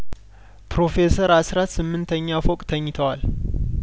ፕሮፌሰር አስራት ስምንተኛ ፎቅ ተኝተዋል